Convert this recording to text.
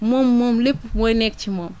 moo moom lépp mooy nekk ci moom